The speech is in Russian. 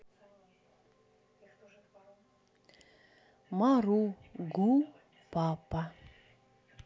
mary gu папа